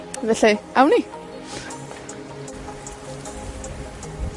Felly, awn ni!